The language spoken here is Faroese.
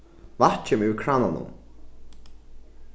vatn kemur úr krananum